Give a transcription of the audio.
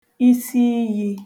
isiiyī